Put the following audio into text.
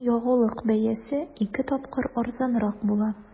Ягулык бәясе ике тапкыр арзанрак була.